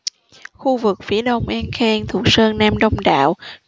khu vực phía đông an khang thuộc sơn nam đông đạo